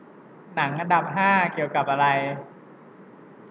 หนังอันดับห้าเกี่ยวกับอะไร